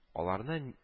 Аларны